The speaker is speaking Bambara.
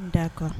Daa kɔrɔ